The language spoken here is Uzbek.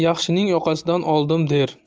yaxshining yoqasidan oldim der